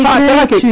C' est gratuit?